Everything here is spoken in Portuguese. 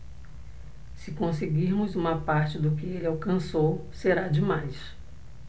se conseguirmos uma parte do que ele alcançou será demais